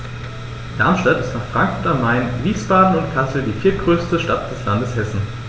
Darmstadt ist nach Frankfurt am Main, Wiesbaden und Kassel die viertgrößte Stadt des Landes Hessen